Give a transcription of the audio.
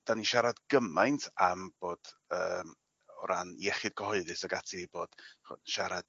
'dan ni'n siarad gymaint am bod yym o ran iechyd cyhoeddus ag ati bod ch'od siarad